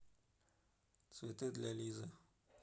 цветы для лизы